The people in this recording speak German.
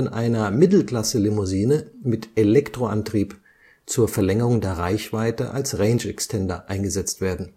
einer Mittelklasse-Limousine mit Elektroantrieb zur Verlängerung der Reichweite Range Extender eingesetzt werden